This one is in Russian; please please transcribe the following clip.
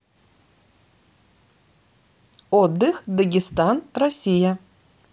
отдых дагестан россия